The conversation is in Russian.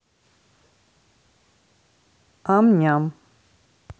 амням